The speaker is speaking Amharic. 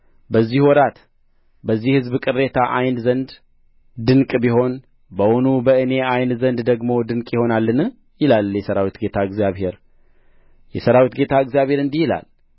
በዚህ ወራት በዚህ ሕዝብ ቅሬታ ዓይን ዘንድ ድንቅ ቢሆን በውኑ በእኔ ዓይን ዘንድ ደግሞ ድንቅ ይሆናልን ይላል የሠራዊት ጌታ እግዚአብሔር የሠራዊት ጌታ እግዚአብሔር እንዲህ ይላል